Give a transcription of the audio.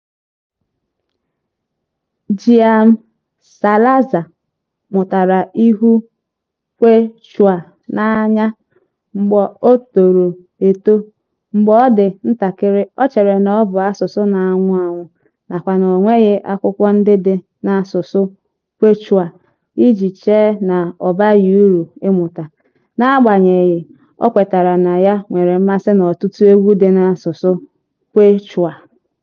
Jaime Salazar mụtara ịhụ Quechua n'anya mgbe o toro eto: mgbe ọ dị ntakịrị, o chere na ọ bụ asụsụ na-anwụ anwụ nakwa na onweghi akwụkwọ ndị dị n'asụsụ Quechua iji chee na ọ baghị uru ịmụta, n'agbanyeghị o kwetara na ya nwere mmasị n'ọtụtụ egwu dị n'asụsụ Quechua.